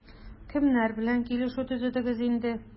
Кемнәр белән килешү төзедегез инде?